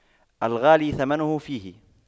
الغالي ثمنه فيه